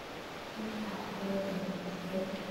""Peppa aleden," eh."